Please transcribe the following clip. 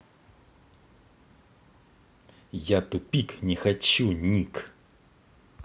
я тупик не хочу nick